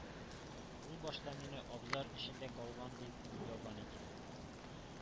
Ул башта мине абзар эчендә калган дип уйлаган икән.